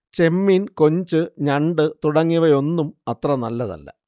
ചെമ്മീൻ, കൊഞ്ച്, ഞണ്ട് തുടങ്ങിയവയൊന്നും അത്ര നല്ലതല്ല